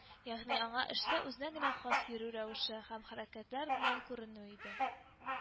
Ягъни аңа эштә үзенә генә хас йөрү рәвеше һәм хәрәкәтләр белән күренү иде